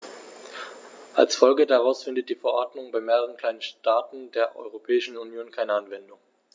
Als Folge daraus findet die Verordnung bei mehreren kleinen Staaten der Europäischen Union keine Anwendung.